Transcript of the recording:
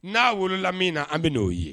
N'a wolola min na an bɛn n'o ye